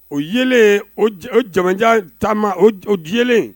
O yelen jamaja taama o o yelen